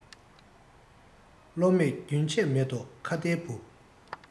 བློ མེད རྒྱུན ཆད མེད དོ ཁྭ ཏའི བུ